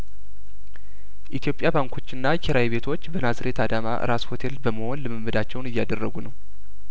ኢትዮጵያ ባንኮችና ኪራይቤቶች በናዝሬት አዳማ ራስ ሆቴል በመሆን ልምምዳቸውን እያደረጉ ነው